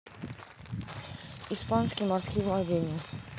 испанские морские владения